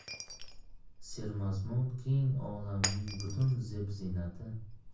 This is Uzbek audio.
sermazmun keng olamning butun zeb ziynati